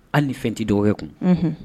Hali ni fɛn tɛ dɔgɔ kun